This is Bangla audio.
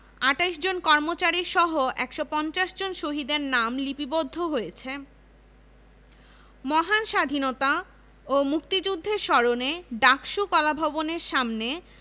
২৮ জন কর্মচারীসহ ১৫০ জন শহীদের নাম লিপিবদ্ধ হয়েছে মহান স্বাধীনতা ও মুক্তিযুদ্ধের স্মরণে ডাকসু কলাভবনের সামনে